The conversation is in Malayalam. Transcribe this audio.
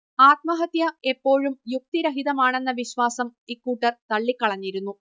ആത്മഹത്യ എപ്പോഴും യുക്തിരഹിതമാണെന്ന വിശ്വാസം ഇക്കൂട്ടർ തള്ളിക്കളഞ്ഞിരുന്നു